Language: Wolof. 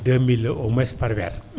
2000 la au moins par weer